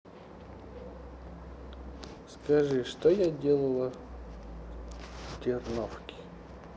скажи что я делала в терновке